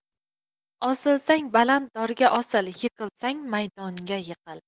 osilsang baland dorga osil yiqilsang maydonga yiqil